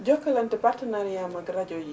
jokalante partenariat am ak rajo yi